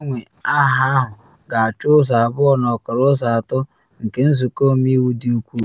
Mgbanwe aha ahụ ga-achọ ụzọ abụọ n’ọkara ụzọ atọ nke nzụkọ ọmeiwu dị ukwuu.